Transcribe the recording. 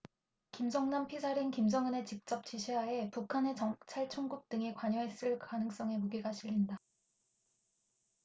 김정남 피살은 김정은의 직접 지시 하에 북한의 정찰총국 등이 관여했을 가능성에 무게가 실린다